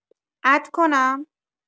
اد کنم؟